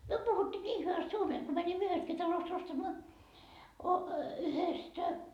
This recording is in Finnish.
me puhuttiin niin hyvästi suomea että kun menimme yhdestäkin talosta ostamaan yhdestä